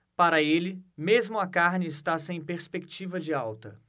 para ele mesmo a carne está sem perspectiva de alta